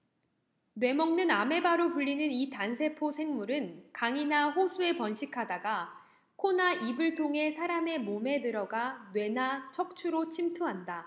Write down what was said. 뇌 먹는 아메바로 불리는 이 단세포 생물은 강이나 호수에 번식하다가 코나 입을 통해 사람의 몸에 들어가 뇌나 척추로 침투한다